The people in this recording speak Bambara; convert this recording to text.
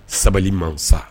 Sabali mansa